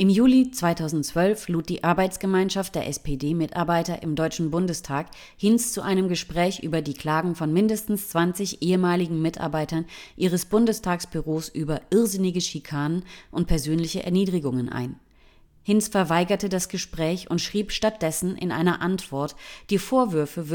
Juli 2012 lud die Arbeitsgemeinschaft der SPD-Mitarbeiter im Deutschen Bundestag Hinz zu einem Gespräch über die Klagen von mindestens 20 ehemaligen Mitarbeitern ihres Bundestagsbüros über „ irrsinnige Schikanen “und „ persönliche Erniedrigungen “ein. Hinz verweigerte das Gespräch und schrieb stattdessen in einer Antwort, die Vorwürfe